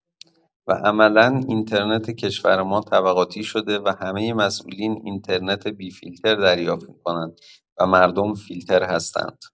و عملا اینترنت کشور ما طبقاتی شده و همه مسولین اینترنت بی فیلتر دریافت می‌کنند و مردم فیلتر هستند.